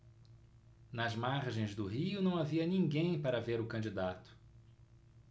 nas margens do rio não havia ninguém para ver o candidato